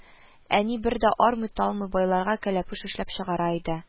Әни, бер дә армый-талмый, байларга кәләпүш эшләп чыгара иде